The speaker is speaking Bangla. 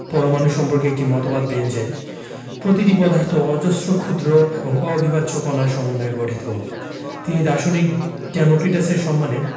পরমাণু সম্পর্কে একটি মতবাদ দেন যে প্রতিটি পদার্থ অজস্র ক্ষুদ্র এবং অবিভাজ্য কণার সমন্বয়ে গঠিত তিনি দার্শনিক ডেমোক্রিটাসের সম্মানে